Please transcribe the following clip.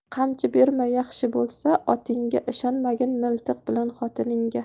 qamchi berma yaxshi bo'lsa otingga ishonmagin miltiq bilan xotinga